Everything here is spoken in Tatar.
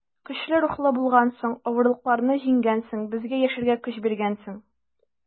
Көчле рухлы булгансың, авырлыкларны җиңгәнсең, безгә яшәргә көч биргәнсең.